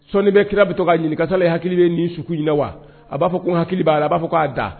Sɔnni bɛ kira bɛ to k'a ɲininka sali i hakili ni suku in na wa? A b'a fɔ ko n hakili b'a la ,a b'a fɔ k'a da.